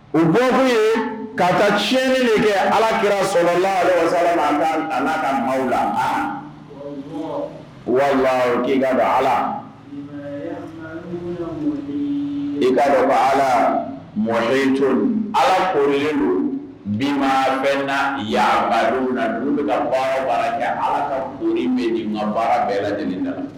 U dɔw tun ye ka taa tiɲɛɲɛn de kɛ ala kira sɔrɔlasa ala kama la ala i ka ala mɔlen tulu ala'len don bi bɛna yaba dugu bɛ baarabara ala kaurun bɛ baara bɛɛ lajɛlen da